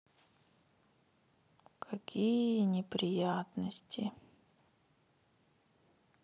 какие неприятности